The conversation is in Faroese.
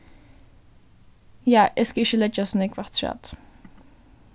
ja eg skal ikki leggja so nógv afturat